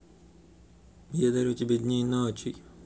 я дарю тебе дней ночей